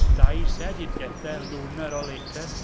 Dai said he'd get there, lunar or later.